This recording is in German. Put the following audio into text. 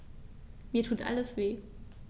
Mir tut alles weh.